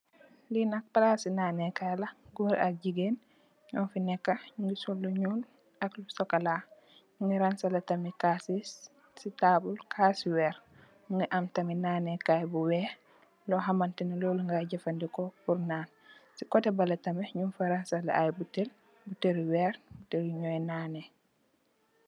lenaka palasi nanekai la goor ak jigeen nyofi neka nyu ngi sol lu nyool ak sokola nyu ngi ranseleh tamit kaasi ci tabul kasi weer nyu ngi am tamit nanekai bu weer Lo hamanteh ni lolu ngai jefandehko pur Naan ci koteh beleh tamit nyung fa ranseleh ay butel butel I weer butel yu nyo naaneh